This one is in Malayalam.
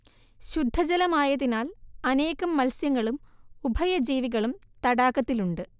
ശുദ്ധജലമായതിനാൽ അനേകം മത്സ്യങ്ങളും ഉഭയ ജീവികളും തടാകത്തിലുണ്ട്